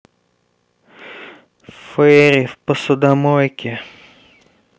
фэйри в посудомойке